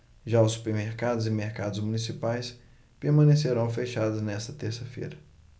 já os supermercados e mercados municipais permanecerão fechados nesta terça-feira